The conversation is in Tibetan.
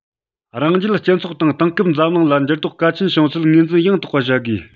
རང རྒྱལ སྤྱི ཚོགས དང དེང སྐབས འཛམ གླིང ལ འགྱུར ལྡོག གལ ཆེན བྱུང ཚུལ ངོས འཛིན ཡང དག པ བྱ དགོས